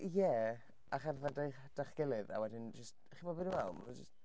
Ie a cherdded 'da ei... 'da eich gilydd a wedyn jyst... chi'n gwybod be dwi feddwl?